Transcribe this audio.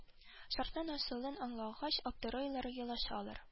Шартның асылын аңлагач аптырыйлар елашалар